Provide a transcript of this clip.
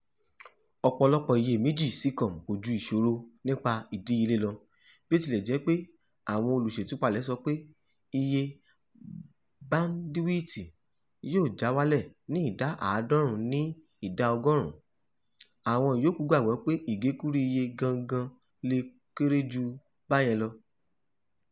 Ọ̀pọ̀lọpọ̀ iyèméjì Seacom kò ju ìṣòro nípa ìdíyelé lọ: bí ó tilẹ̀ jẹ́ pé àwọn olùṣètúpalẹ̀ sọ pé iye báńdíwìtì yóò já wálẹ̀ ní ìdá 90 nínú ìdá ọgọ́rùn-ún, àwọn ìyókù gbàgbọ́ pé ìgékúrú iye gangan le kéré jù bá yẹn lọ.